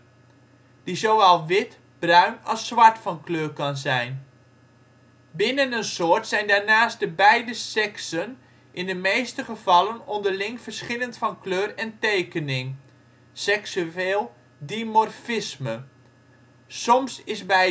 die zowel wit, bruin als zwart van kleur kan zijn. Binnen een soort zijn daarnaast de beide seksen in de meeste gevallen onderling verschillend van kleur en tekening (seksueel dimorfisme), soms is bij het